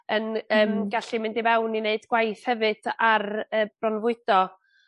yn yym gallu mynd i fewn i neud gwaith hefyd ar yy bronfwydo.